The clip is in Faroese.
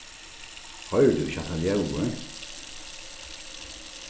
hoyrir tú ikki hatta ljóðið